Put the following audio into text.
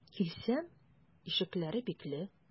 Килсәм, ишекләре бикле.